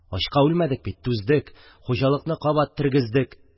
Ачка үлмәдек бит, түздек, хуҗалыкны кабат тергездек